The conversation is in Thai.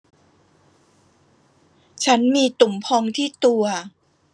ฉันมีตุ่มพองที่ตัว